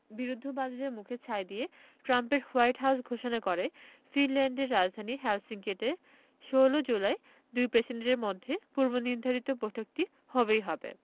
বিরুদ্ধবাদীদের মুখে ছাই দিয়ে ট্রাম্পের হোয়াইট হাউস ঘোষণা করে ফিনল্যান্ডের রাজধানী হেলসিঙ্কিতে ১৬ জুলাই দুই প্রেসিডেন্টের মধ্যে পূর্বনির্ধারিত বৈঠকটি হবেই হবে